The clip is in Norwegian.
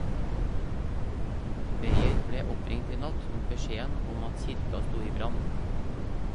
Beyer ble oppringt i natt med beskjeden om at kirka sto i brann.